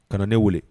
Kana na ne wele